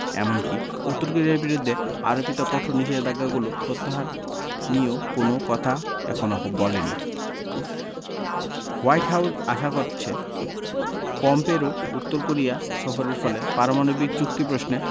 এমনকি উত্তর কোরিয়ার বিরুদ্ধে আরোপিত কঠোর নিষেধাজ্ঞাগুলো প্রত্যাহার নিয়েও কোনো কথা এখনো বলেনি হোয়াইট হাউস আশা করছে পম্পেওর উত্তর কোরিয়া সফরের ফলে পারমাণবিক চুক্তি প্রশ্নে